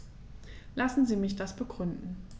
Lassen Sie mich das begründen.